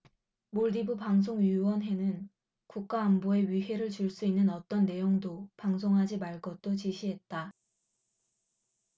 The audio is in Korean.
몰디브 방송위원회는 국가안보에 위해를 줄 수 있는 어떤 내용도 방송하지 말 것도 지시했다